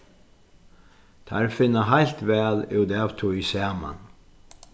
teir finna heilt væl út av tí saman